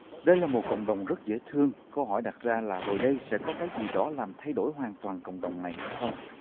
đây là một cộng đồng rất dễ thương câu hỏi đặt ra là rồi đây sẽ có cái gì đó làm thay đổi hoàn toàn cộng đồng này hay không